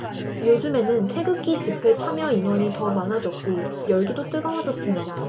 요즘에는 태극기 집회 참여인원이 더 많아졌고 열기도 뜨거워졌습니다